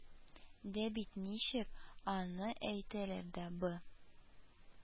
Дә бит ничек, а ны әйтәләр дә, бы